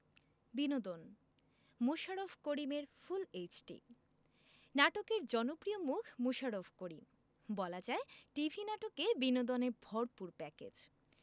বিনোদন মোশাররফ করিমের full HD নাটকের জনপ্রিয় মুখ মোশাররফ করিম বলা যায় টিভি নাটকে বিনোদনে ভরপুর প্যাকেজ